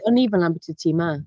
O'n i fel 'na ambiti'r tŷ 'ma.